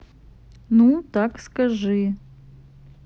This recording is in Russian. ну так скажи